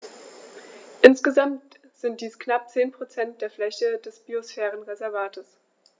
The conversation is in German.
Insgesamt sind dies knapp 10 % der Fläche des Biosphärenreservates.